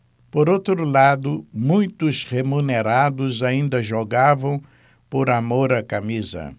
por outro lado muitos remunerados ainda jogavam por amor à camisa